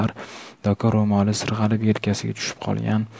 doka ro'moli sirg'alib yelkasiga tushib qolgan